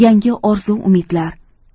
yangi orzu umidlar